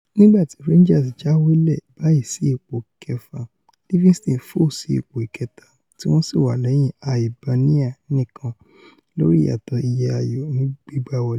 nígbà tí Rangers jáwálẹ̀ báyìí sí ipò ìkẹfà, Livinston fò sí ipò ìkẹta tí wọn sìwà lẹ́yìn Hibernia nìkan lórí ìyàtọ̀ iye ayò gbígbá wọlé.